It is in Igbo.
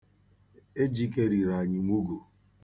Ejike riri anyị mugu.